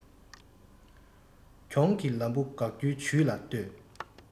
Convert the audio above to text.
གྱོང གི ལམ བུ དགག རྒྱུའི བྱུས ལ ལྟོས